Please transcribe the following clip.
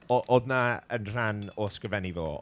O- oedd 'na, yn rhan o ysgrifennu fo...